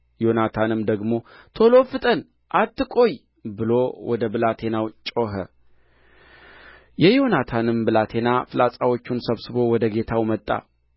ዮናታንም ደግሞ ቶሎ ፍጠን አትቆይ ብሎ ወደ ብላቴናው ጮኸ የዮናታንም ብላቴና ፍላጻዎቹን ሰብስቦ ወደ ጌታው መጣ